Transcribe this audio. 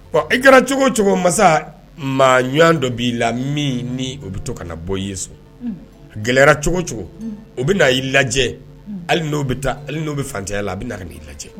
Ɔ i kɛra cogo cogo masa maa ɲ dɔ b'i la min ni o bɛ to kana na bɔ ye sɔrɔ gɛlɛyayara cogo cogo o bɛ na' lajɛ hali n' bɛ taa hali n'o bɛ fantanya la a bɛ na ka n' ii lajɛ